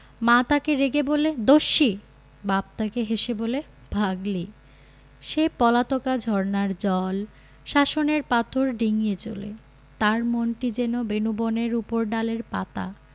মা তাকে রেগে বলে দস্যি বাপ তাকে হেসে বলে পাগলি সে পলাতকা ঝরনার জল শাসনের পাথর ডিঙ্গিয়ে চলে তার মনটি যেন বেনূবনের উপরডালের পাতা